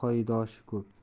og'asiz emi qamchi yer